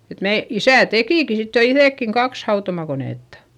että me isä tekikin sitten jo itsekin kaksi hautomakonetta